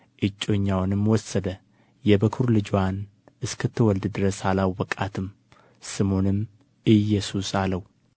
እጮኛውንም ወሰደ የበኩር ልጅዋንም እስክትወልድ ድረስ አላወቃትም ስሙንም ኢየሱስ አለው